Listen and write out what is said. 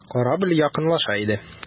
Корабль якынлаша иде.